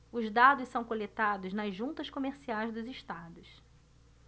os dados são coletados nas juntas comerciais dos estados